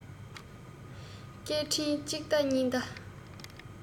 སྐད འཕྲིན གཅིག ལྟ གཉིས ལྟ